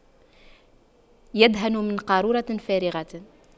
يدهن من قارورة فارغة